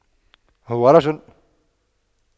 هو رجل